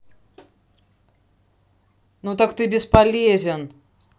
ну так ты бесполезен